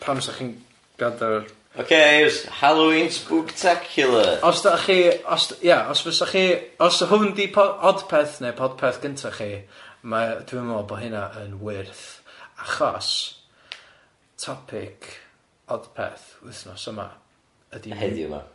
pam 'sa chi'n grando ar... Ocê Iws Halloween Spooktacular. Os 'dach chi os d- ia os fysa chi os 'na hwn di pod- Odpeth neu Podpeth gynta chi ma' dwi'n meddwl bo' hynna yn wyrth achos topic Odpeth wythnos yma ydi... Heddiw 'ma...